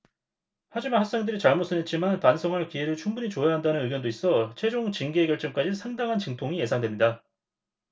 하지만 학생들이 잘못은 했지만 반성할 기회를 충분히 줘야 한다는 의견도 있어 최종 징계 결정까지 상당한 진통이 예상됩니다